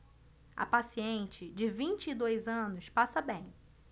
a paciente de vinte e dois anos passa bem